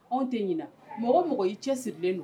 Anw tɛ ɲin mɔgɔ mɔgɔ i cɛ sirilen don